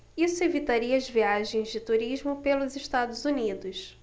isso evitaria as viagens de turismo pelos estados unidos